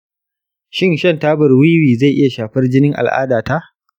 shin shan tabar wiwi zai iya shafar jinin al’adata?